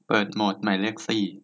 เปิดโหมดหมายเลขสี่